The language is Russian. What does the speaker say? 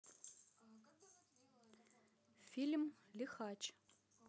фильм лихач